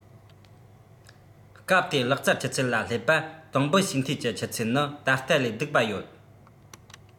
སྐབས དེའི ལག རྩལ ཆུ ཚད ལ བསླེབས པ གཏོང འབུད བྱས འཐུས ཀྱི ཆུ ཚད ནི ད ལྟ ལས སྡུག པ ཡོད